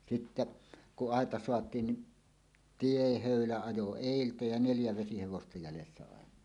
sitten kun aita saatiin niin tiehöylä ajoi edeltä ja neljä vesihevosta jäljessä aina